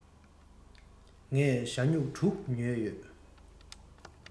ངས ཞྭ སྨྱུག དྲུག ཉོས ཡོད